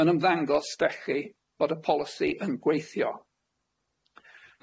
Ma'n ymddangos dech chi fod y polisi yn gweithio.